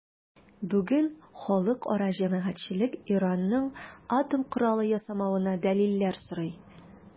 Бүген халыкара җәмәгатьчелек Иранның атом коралы ясамавына дәлилләр сорый.